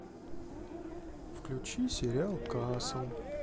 включи сериал касл